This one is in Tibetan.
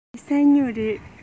འདི ས སྨྱུག རེད